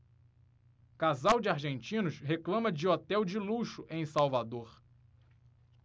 casal de argentinos reclama de hotel de luxo em salvador